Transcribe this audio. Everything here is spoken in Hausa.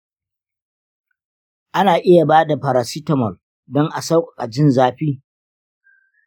ana iya ba da paracetamol don sauƙaƙa jin zafi.